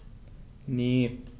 Ne.